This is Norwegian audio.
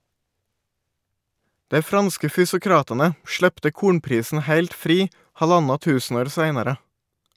Dei franske fysiokratane slepte kornprisen heilt fri halvtanna tusenår seinare.